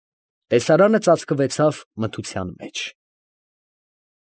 Տեսարանը ծածկվեցավ մթության մեջ…։